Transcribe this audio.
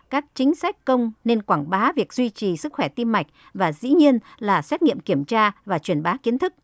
các chính sách công nên quảng bá việc duy trì sức khỏe tim mạch và dĩ nhiên là xét nghiệm kiểm tra và truyền bá kiến thức